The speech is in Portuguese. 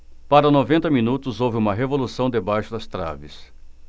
para noventa minutos houve uma revolução debaixo das traves